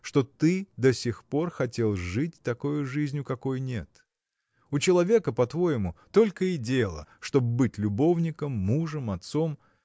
что ты до сих пор хотел жить такою жизнию какой нет? У человека по-твоему только и дела чтоб быть любовником мужем отцом.